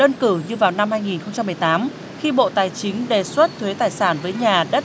đơn cử như vào năm hai nghìn không trăm mười tám khi bộ tài chính đề xuất thuế tài sản với nhà đất